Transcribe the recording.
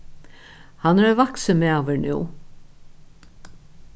hann er ein vaksin maður nú